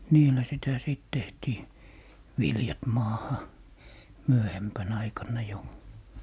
niillä sitä sitten tehtiin viljat maahan myöhempänä aikana jo